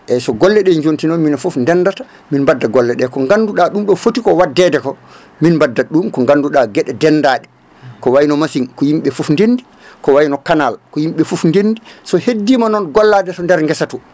eyyi so golle ɗe jonti noon min foof ndendata min badda golle ɗe ko ganduɗa ɗum ɗo foti ko waddede ko min baddat ɗum ɗum ko ganduɗa gueɗe ndedaɗe ko wayno machine ko yimɓeɓe foof ndendi ko wayno kanal ko yimɓeɓe foof ndendi so heddima noon gollade to nder guesa to